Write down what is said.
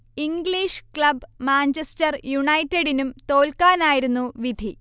English club Manchester യുണൈറ്റഡിനും തോൽക്കാനായിരുന്നു വിധി